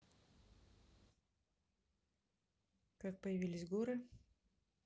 как появились горы